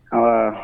H